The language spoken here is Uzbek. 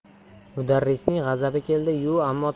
mudarrisning g'azabi keldi yu ammo